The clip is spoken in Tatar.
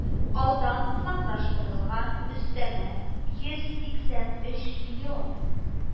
Алдан планлаштырылган өстәмә йөз сиксән өч миллион